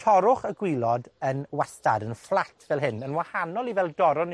torrwch y gwilod yn wastad, yn fflat fel hyn, yn wahanol i fel dorron ni